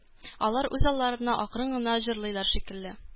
Алар үз алларына акрын гына җырлыйлар шикелле